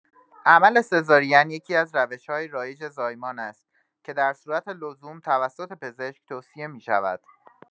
عمل سزارین یکی‌از روش‌های رایج زایمان است که در صورت لزوم توسط پزشک توصیه می‌شود.